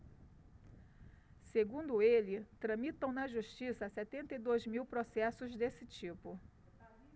segundo ele tramitam na justiça setenta e dois mil processos desse tipo